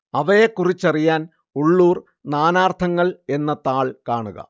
അവയെക്കുറിച്ചറിയാൻ ഉള്ളൂർ നാനാർത്ഥങ്ങൾ എന്ന താൾ കാണുക